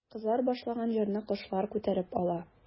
Кызлар башлаган җырны кошлар күтәреп ала.